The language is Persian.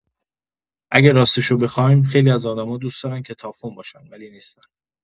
اگه راستشو بخوایم، خیلی از آدما دوست دارن کتاب‌خون باشن، ولی نیستن.